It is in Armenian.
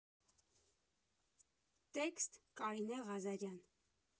Տեքստ՝ Կարինե Ղազարյան։